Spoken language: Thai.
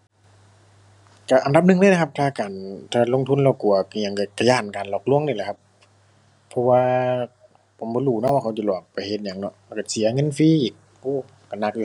ก็อันดับหนึ่งเลยเด้อครับ ถ้าการ ถ้าลงทุนแล้วกลัวอิหยังก็ ก็ย้านการหลอกลวงนี่แหละครับ เพราะว่าผมบ่รู้เนาะว่าเขาจิหลอก ไปเฮ็ดหยังเนาะ ก็ก็เสียเงินฟรีอีก โอ้ ก็หนักอยู่